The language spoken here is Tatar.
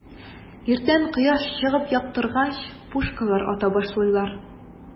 Иртән кояш чыгып яктыргач, пушкалар ата башлыйлар.